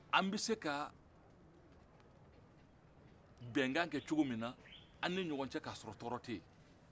an bɛ se ka bɛnkan kɛ cogo min na an ni ɲɔgɔn cɛ k'a sɔrɔ tɔɔrɔ tɛ ye